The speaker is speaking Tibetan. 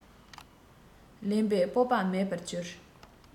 ལེན པའི སྤོབས པ མེད པར གྱུར